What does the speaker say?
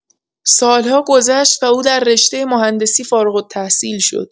سال‌ها گذشت و او در رشتۀ مهندسی فارغ‌التحصیل شد.